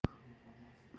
shu o'zimizning oftobmi